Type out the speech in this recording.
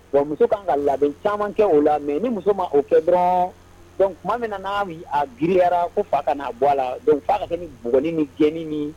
Wa muso ka kan ka labɛn caman kɛ o la mɛ ni muso ma o kɛ dɔnkuc tuma min n'a a giriyara ko fa ka'a bɔ a la' ni boni ni jeni min